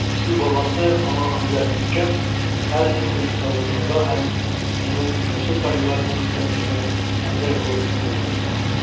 Песи баласы, аңа күзләрен текәп, һәр секундта уйнарга һәм үзенең мәче табигатен күрсәтергә әзер булып тоела иде.